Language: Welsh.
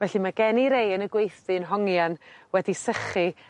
Felly ma' gen i rei yn y gweithdŷ yn hongian wedi sychu